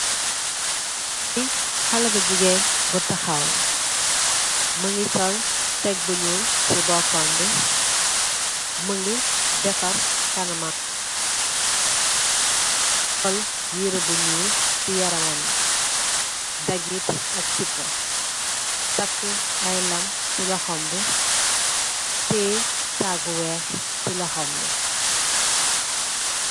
Lee haleh bu jegain bu tahaw la muge sol tekk bu njol se bopam be muge defarr kanamam be sol yerebu njol se yaramambi dagete ak sepa takhe aye lam se lohom be teye sacc bu weeh se lohom be.